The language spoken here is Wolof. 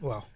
waaw